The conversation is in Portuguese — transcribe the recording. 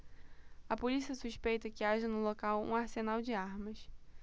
a polícia suspeita que haja no local um arsenal de armas